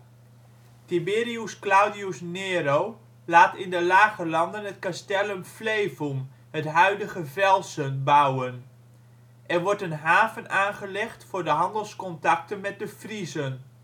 Tiberius Claudius Nero laat in de Lage Landen het Castellum Flevum (huidige Velsen) bouwen, er wordt een haven aangelegd voor de handelscontacten met de Friezen